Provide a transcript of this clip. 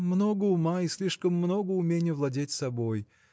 много ума и слишком много уменья владеть собой